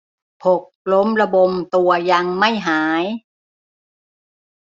หกล้มระบมตัวยังไม่หาย